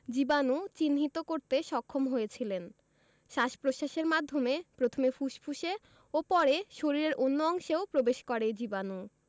জীবাণু চিহ্নিত করতে সক্ষম হয়েছিলেন শ্বাস প্রশ্বাসের মাধ্যমে প্রথমে ফুসফুসে ও পরে শরীরের অন্য অংশেও প্রবেশ করে এ জীবাণু